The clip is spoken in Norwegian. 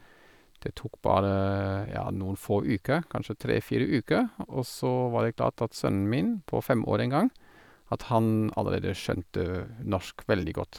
Det tok bare, ja, noen få uker, kanskje tre fire uker, og så var det klart at sønnen min på fem år den gang, at han allerede skjønte norsk veldig godt.